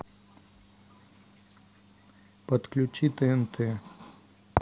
подключи тнт